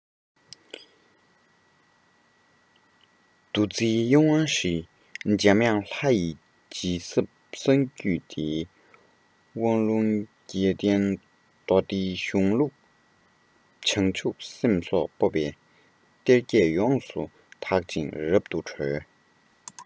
འདུ འཛིའི གཡེང བ ཧྲིལ འཇམ དབྱངས ལྷ ཡིས རྗེས ཟབ གསང རྒྱུད སྡེའི དབང ལུང རྒྱལ བསྟན མདོ སྡེའི གཞུང ལུགས བྱང ཆུབ སེམས སོགས སྤོབས པའི གཏེར བརྒྱད ཡོངས སུ དག ཅིང རབ ཏུ གྲོལ